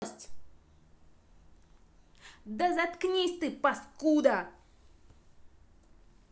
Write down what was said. да заткнись ты паскуда